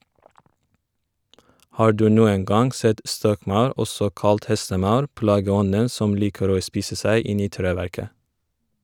Har du noen gang sett stokkmaur, også kalt hestemaur, plageånden som liker å spise seg inn i treverket?